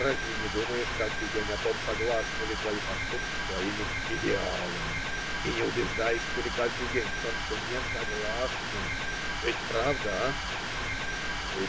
Разве не думаешь каждый день о том, согласны ли твои поступки с твоими идеалами, и не убеждаешься ли каждый день в том, что несогласны? Ведь правда, а?